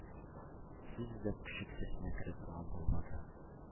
Сүз эзләп кеше кесәсенә керә торган булмады.